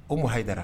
O mahayidara